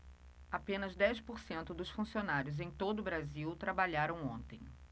apenas dez por cento dos funcionários em todo brasil trabalharam ontem